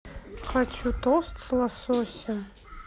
хочу тост с лососем